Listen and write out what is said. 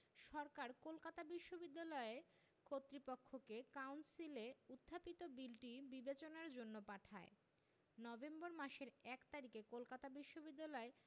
সরকার কলকাতা বিশ্ববিদ্যালয় কর্তৃপক্ষকে কাউন্সিলে উত্থাপিত বিলটি বিবেচনার জন্য পাঠায় নভেম্বর মাসের ১ তারিখে কলকাতা বিশ্ববিদ্যালয়